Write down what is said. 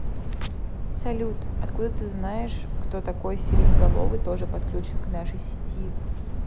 салют откуда ты знаешь кто такой сиреноголовый тоже подключен к нашей сети